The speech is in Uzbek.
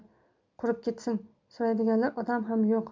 qurib ketsin so'raydigan odam ham yo'q